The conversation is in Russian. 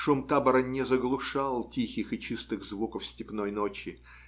Шум табора не заглушал тихих и чистых звуков степной ночи